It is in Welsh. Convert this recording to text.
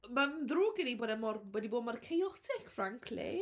Mae'n ddrwg gen i bod e mor- wedi bod mor chaotic, frankly.